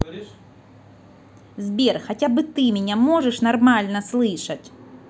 сбер хотя бы ты меня можешь нормально слышать